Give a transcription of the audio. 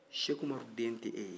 seku umaru den tɛ e ye